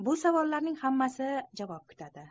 bu savollarning hammasi javob kutadi